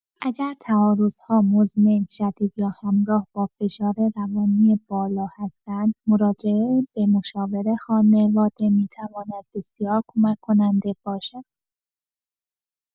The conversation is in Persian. اگر تعارض‌ها مزمن، شدید یا همراه با فشار روانی بالا هستند، مراجعه به مشاور خانواده می‌تواند بسیار کمک‌کننده باشد.